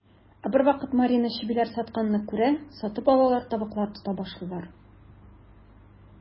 Ә бервакыт Марина чебиләр сатканны күрә, сатып алалар, тавыклар тота башлыйлар.